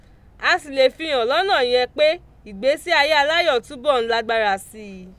A sì lè fi hàn lọ́nà yẹn pé ìgbésí ayé aláyọ̀ túbọ̀ ń lágbára sí i.